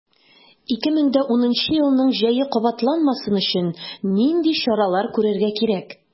2010 елның җәе кабатланмасын өчен нинди чаралар күрергә кирәк?